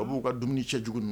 A b'u ka dumuniini cɛ jugu na